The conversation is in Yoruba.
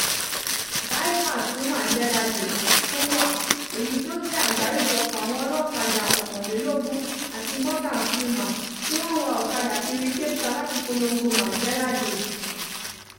“Bikers for Mandela Day” tún wà – èyí tó jẹ́ àgbáríjọpọ̀ àwọn ọlọ́kadà 21 (àti Morgan Freeman) tí wọ́n ń wá ọ̀kadà kiri Cape Town láti polongo Mandela Day.